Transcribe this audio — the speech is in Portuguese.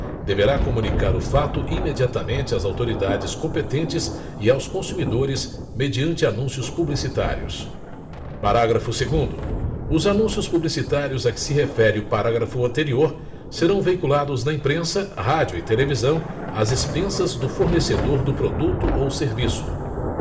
deverá comunicar o fato imediatamente às autoridades competentes e aos consumidores mediante anúncios publicitários parágrafo segundo os anúncios publicitários a que se refere o parágrafo anterior serão veiculados na imprensa rádio e televisão às expensas do fornecedor do produto ou serviço